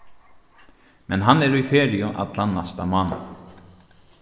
men hann er í feriu allan næsta mánað